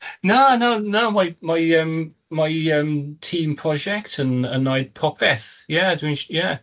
Na, na, na, mae mae yym mae yym team prosiect yn yn wneud popeth, ie dwi'n s- ie.